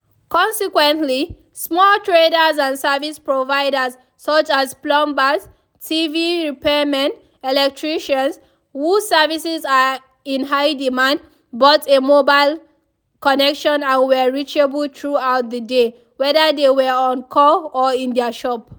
Consequently small traders and service providers such as plumbers / TV repairmen / electricians (whose services are in high demand) bought a mobile connection and were reachable throughout the day whether they were on call or in their shop.